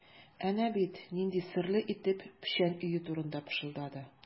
Әнә бит нинди серле итеп печән өю турында пышылдады.